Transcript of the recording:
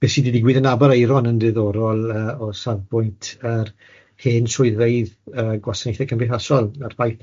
be sy 'di digwydd yn Aberaeron yn ddiddorol yy o safbwynt yr hen swyddfeydd yy gwasanaethe cymdeithasol a'r ffaith... Ie...